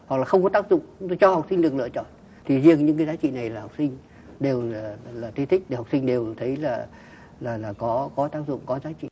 hoặc là không có tác dụng tôi cho học sinh được lựa chọn thì hiện những giá trị này là học sinh đều là là di tích để học sinh đều thấy là là là có có tác dụng có giá trị